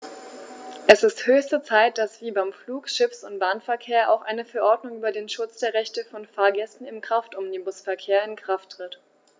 Es ist höchste Zeit, dass wie beim Flug-, Schiffs- und Bahnverkehr auch eine Verordnung über den Schutz der Rechte von Fahrgästen im Kraftomnibusverkehr in Kraft tritt.